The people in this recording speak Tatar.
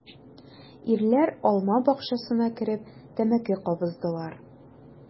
Ирләр алма бакчасына кереп тәмәке кабыздылар.